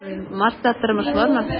"марста тормыш бармы?"